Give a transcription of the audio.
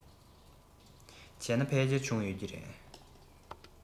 བྱས ན ཕལ ཆེར བྱུང ཡོད ཀྱི རེད